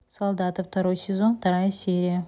солдаты второй сезон вторая серия